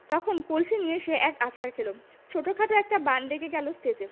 তখন কলসি নিয়ে সে আছাড় খেলো ছোটখাট একটা বান ডেকে গেল টেজে